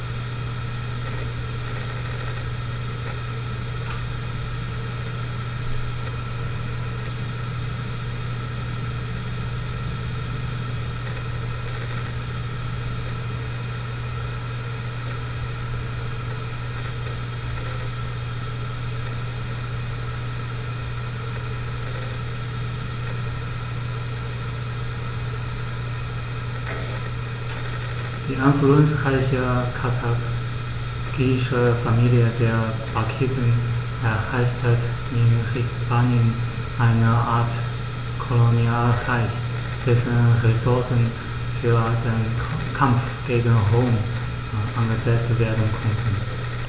Die einflussreiche karthagische Familie der Barkiden errichtete in Hispanien eine Art Kolonialreich, dessen Ressourcen für den Kampf gegen Rom eingesetzt werden konnten.